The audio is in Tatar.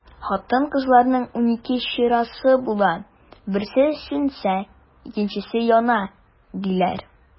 Хатын-кызларның унике чырасы була, берсе сүнсә, икенчесе яна, диләр.